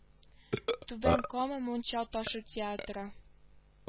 Түбән кама мунча ташы театры